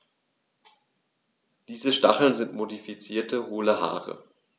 Diese Stacheln sind modifizierte, hohle Haare.